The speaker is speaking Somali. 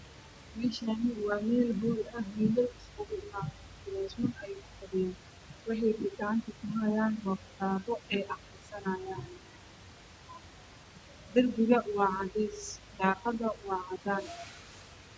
Meshani waa mel hool ah wll iskuku imaden kursaman eey kufadhiyan waxey watan kitabo eey aqrasanayan darbiga waa cades daqada waa cadan